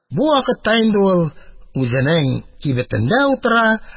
Бу вакытта инде ул үзенең кибетендә утыра